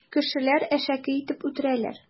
Кешеләр әшәке итеп үтерәләр.